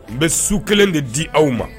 N bɛ su 1 de di aw ma!